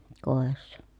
kodissa